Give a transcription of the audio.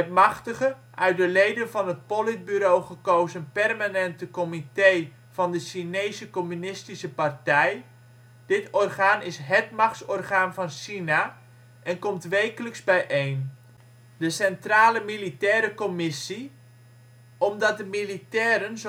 machtige, uit de leden van het Politbureau gekozen Permanente Comité van de Chinese Communistische Partij. Dit orgaan is hét machtsorgaan van China en komt wekelijks bijeen; De Centrale Militaire Commissie. Omdat de militairen